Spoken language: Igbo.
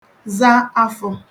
za afọ̄